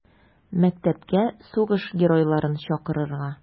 Мәктәпкә сугыш геройларын чакырырга.